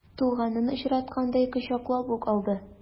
Туганын очраткандай кочаклап ук алды.